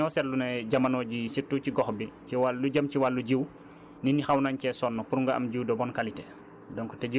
parce que dañoo seetlu ne jamono ji surtout ci gox bi ci wàl lu jëm ci wàllu jiwu nit ñi xaw nañ cee sonn pour nga am jiwu de bonne qualité